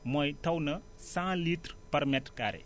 mooy taw na cent litres par mètre carré